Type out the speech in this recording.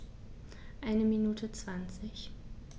Eine Minute 20